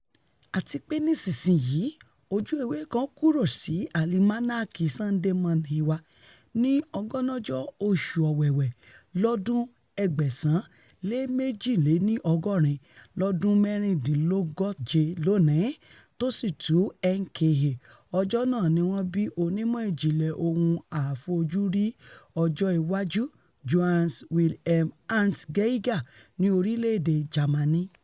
Àtipé nísinsìnyí ojú-ewé kan kúrò sí Álimánáàkì ''Sunday Morning'' wa: Ní Ọgbọ̀nọjọ́ oṣù Owewe, lọ́dún 1882, lọ́dún mẹ̵́rìndínlógóje lóòní, tósì tún ŃKA... ọjọ́ náà ni wọ́n bí onímọ̀ ìjìnlẹ ohun àfojúrí ọjọ́ iwájú Johannes Wilhelm ''Hans'' Geiger ní orílẹ̀-èdè Jamani.